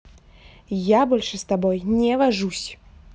я больше с тобой не вожусь